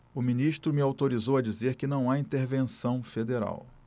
o ministro me autorizou a dizer que não há intervenção federal